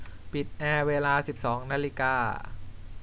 ปิดแอร์เวลาสิบสองนาฬิกา